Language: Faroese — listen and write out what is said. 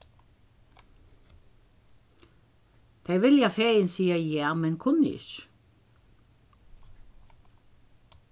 tey vilja fegin siga ja men kunnu ikki